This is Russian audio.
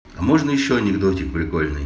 а можно еще анекдотик прикольный